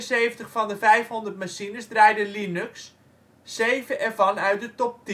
371 van de 500 machines draaiden Linux, 7 ervan uit de top-10